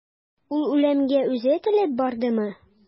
Ул үлемгә үзе теләп бардымы?